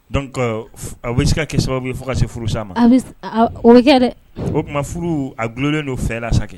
Donc a bi se ka ke sababu ye fo ka se furu sa ma. O bi kɛ dɛ. O kuma furu a gulonlen don fɛn la sa.